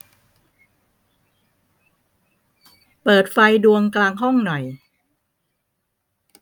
เปิดไฟดวงกลางห้องหน่อย